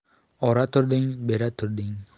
ora turding bera turding